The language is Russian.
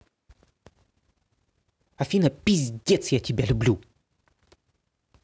афина пиздец я тебя люблю